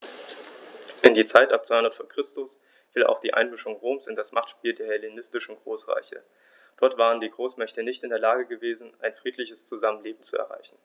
In die Zeit ab 200 v. Chr. fiel auch die Einmischung Roms in das Machtspiel der hellenistischen Großreiche: Dort waren die Großmächte nicht in der Lage gewesen, ein friedliches Zusammenleben zu erreichen.